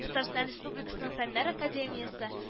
Татарстан Республикасының Фәннәр академиясе